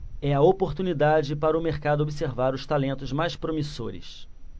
é a oportunidade para o mercado observar os talentos mais promissores